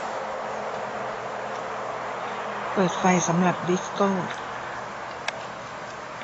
เปิดไฟสำหรับดิสโก้